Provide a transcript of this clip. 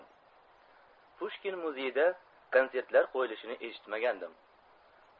pushkin muzeyida kontsertlar qo'yilishini eshitmagandim